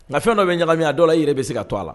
Nka fɛn dɔ bɛ ɲaga min dɔw la i yɛrɛe bɛ se ka to la